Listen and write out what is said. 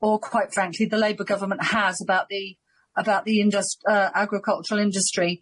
or quite frankly, the Labour Government has about the about the indust- uh agricultural industry.